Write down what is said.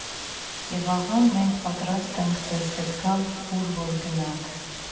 Եվ ահա մենք պատրաստենք ձեզ հետ գալ ուր, որ գնաք։